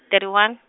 thirty one.